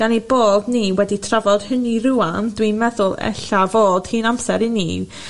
gan i bod ni wedi trafod hynny rŵan dwi'n meddwl ella fod hi'n amser i ni